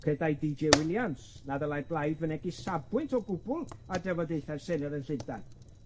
Credai Dee Jay Williams na ddylai'r blaid fynegi safbwynt o gwbwl ar drafodaethau'r Senedd yn Llundan.